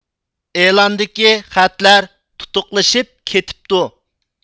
ئېلاندىكى خەتلەر تۇتۇقلىشىپ كېتىپتۇ